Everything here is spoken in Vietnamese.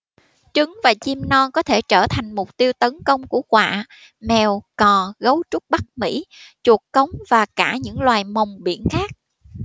trứng và chim non có thể trở thành mục tiêu tấn công của quạ mèo cò gấu trúc bắc mỹ chuột cống và cả những loài mòng biển khác